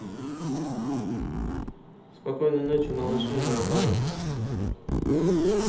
спокойной ночи малыши наоборот